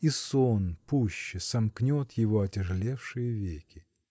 и сон пуще сомкнет его отяжелевшие веки.